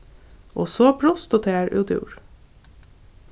og so brustu tær útúr